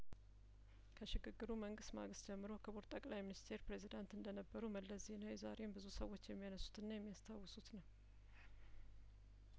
ከሽግግሩ መንግስት ማግስት ጀምሮ ክቡር ጠቅላይ ሚኒስትር ፕሬዚዳንት እንደነበሩ መለስ ዜናዊ ዛሬም ብዙ ሰዎች የሚያነሱትና የሚያስታውሱት ነው